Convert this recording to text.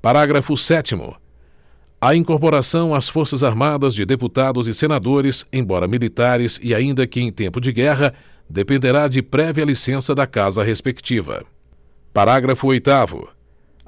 parágrafo sétimo a incorporação às forças armadas de deputados e senadores embora militares e ainda que em tempo de guerra dependerá de prévia licença da casa respectiva parágrafo oitavo